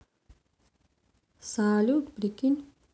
салют прикинь